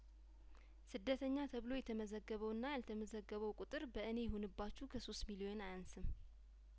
ስደተኛ ተብሎ የተመዘገበውና ያልተመዘገበው ቁጥር በእኔ ይሁን ባችሁ ከሶስት ሚሊዮን አያንስም